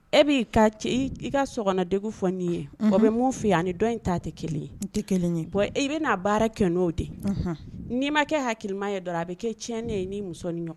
E b'i ka i ka sode fɔ n' ye o bɛ mun fɛ yen yan ani ni dɔn in ta tɛ kelen ye tɛ kelen ye i bɛna'a baara kɛ n'o de n'i ma kɛ hakilimaya dɔrɔn a bɛ kɛ tiɲɛ ne ye ni muso ni ɲɔgɔn